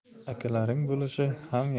akalaring bo'lishi ham